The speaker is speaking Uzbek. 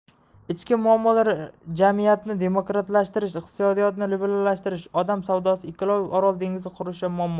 ichki muammolar jamiyatni demokratlashtirish iqtisodiyotni liberallashtirish odam savdosi ekologiya orol dengizi qurishi muammosi